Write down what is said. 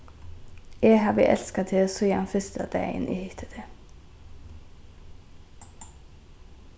eg havi elskað teg síðan fyrsta dagin eg hitti teg